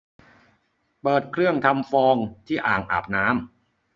เปิดเครื่องทำฟองที่อ่างอาบน้ำ